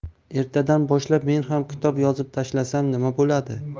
ertadan boshlab men ham kitob yozib tashlasam nima bo'ladi